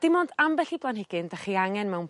dim ond ambell i blanhigyn 'dach chi angen mewn